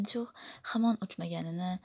cho'g' hamon o'chmaganini